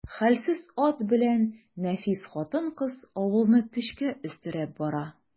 Хәлсез ат белән нәфис хатын-кыз авылны көчкә өстерәп бара.